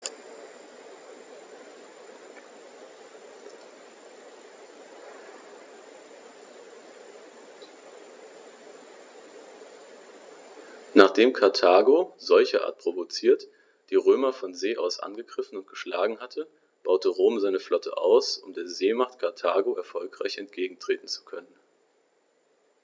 Nachdem Karthago, solcherart provoziert, die Römer von See aus angegriffen und geschlagen hatte, baute Rom seine Flotte aus, um der Seemacht Karthago erfolgreich entgegentreten zu können.